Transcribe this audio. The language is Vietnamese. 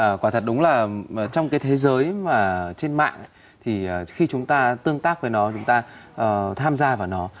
ờ quả thật đúng là ờm trong cái thế giới mà trên mạng í thì khi chúng ta tương tác với nó chúng ta ờ tham gia vào nó